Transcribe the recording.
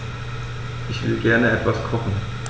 Ich will gerne etwas kochen.